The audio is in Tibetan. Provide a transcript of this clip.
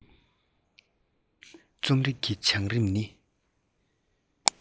རྩོམ རིག གི བྱུང རིམ ནི